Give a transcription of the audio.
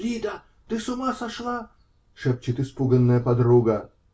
-- Лида, ты с ума сошла, -- шепчет испуганная подруга.